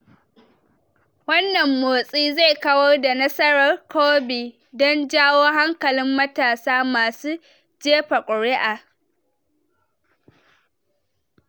Wannan motsi zai kawar da nasarar Corbyn don jawo hankalin matasa masu jefa kuri'a